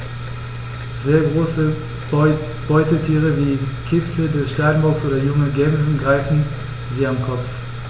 Sehr große Beutetiere wie Kitze des Steinbocks oder junge Gämsen greifen sie am Kopf.